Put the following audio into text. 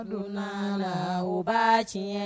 Nu donna la u ba tiɲɛ.